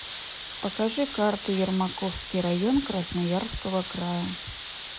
покажи карту ермаковский район красноярского края